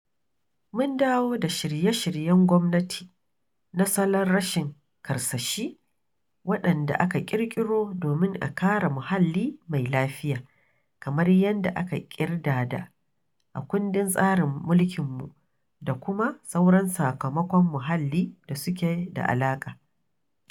Mun damu da shirye-shiryen gwamnati na salon rashin karsashi waɗanda aka ƙirƙiro domin a kare muhalli mai lafiya, kamar yadda aka kirdada a kundin tsarin mulkinmu, da kuma sauran sakamakon muhalli da suke da alaƙa.